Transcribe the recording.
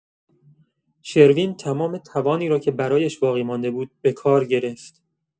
شروین تمام توانی را که برایش باقی‌مانده بود، به‌کار گرفت.